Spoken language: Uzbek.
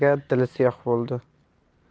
o'rniga dili siyoh bo'ldi